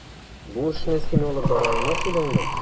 Бу эшне син алып бара алмас идеңме?